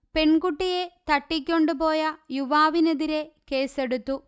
പെൺകുട്ടിയെ തട്ടിക്കൊണ്ടുപോയ യുവാവിനെതിരെ കേസ്സെടുത്തു